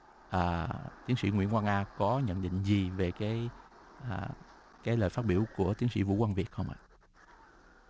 ờ tiến sĩ nguyễn quang a có nhận định gì về cái a cái lời phát biểu của tiến sĩ vũ quang việt không ạ